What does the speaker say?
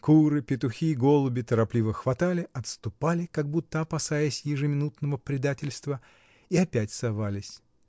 Куры, петухи, голуби торопливо хватали, отступали, как будто опасаясь ежеминутного предательства, и опять совались.